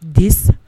Di